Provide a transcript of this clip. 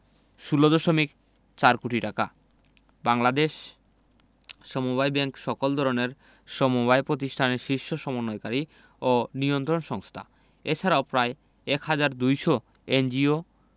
১৬দশমিক ৪ কোটি টাকা বাংলাদেশ সমবায় ব্যাংক সকল ধরনের সমবায় প্রতিষ্ঠানের শীর্ষ সমন্বয়কারী ও নিয়ন্ত্রণ সংস্থা এছাড়াও প্রায় ১ হাজার ২০০ এনজিও